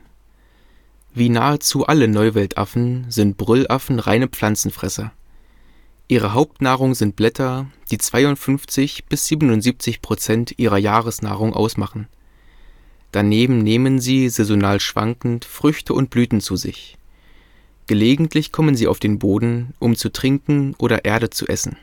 Wie nahezu alle Neuweltaffen sind Brüllaffen reine Pflanzenfresser. Ihre Hauptnahrung sind Blätter, die 52 bis 77 % ihrer Jahresnahrung ausmachen. Daneben nehmen sie saisonal schwankend Früchte und Blüten zu sich. Gelegentlich kommen sie auf den Boden, um zu trinken oder Erde zu essen